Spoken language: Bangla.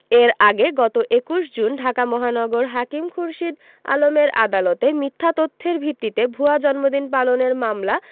এর আগে গত ২১ জুন ঢাকা মহানগর হাকিম খুরশীদ আলমের আদালতে মিথ্যা তথ্যের ভিত্তিতে ভুয়া জন্মদিন পালনের মামলা